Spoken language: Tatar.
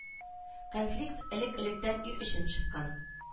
Конфликт элек-электән ир өчен чыккан